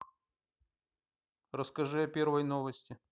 расскажи о первой новости